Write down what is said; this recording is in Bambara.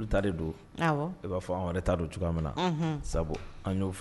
De don i b'a fɔ wɛrɛ' don cogoya min na sabu an y'o fɛ